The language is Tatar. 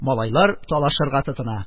Малайлар талашырга тотына.